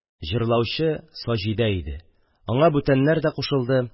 Җырлаучы Саҗидә иде. Аңа бүтәннәр дә кушылды